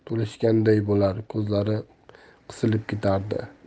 ham to'lishganday bo'lar ko'zlari qisilib ketardi